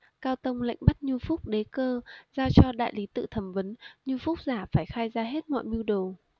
cao tông lệnh bắt nhu phúc đế cơ giao cho đại lí tự thẩm vấn nhu phúc giả phải khai ra hết mọi mưu đồ